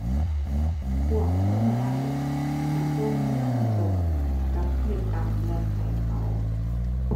ควบคุมได้ ถ้าส่งเงินตรงกับเฮ็ดตามเงื่อนไขเขา